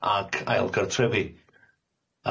ac ail gartrefi.